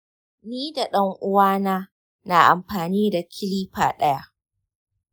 ni da ɗan uwa na na amfani da kilipa ɗaya.